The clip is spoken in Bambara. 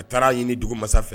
A taara ɲini dugu mansa fɛ